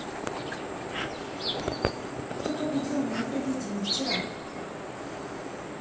кто победил на евровидение вчера